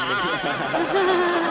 đi